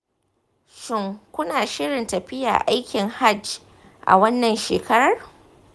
shin kuna shirin tafiya aikin hajj a wannan shekarar?